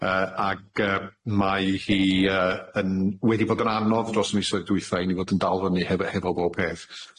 Yy ag yy mae hi yy yn wedi fod yn anodd dros y misoedd dwitha i ni fod yn dal fyny hefo hefo bob peth.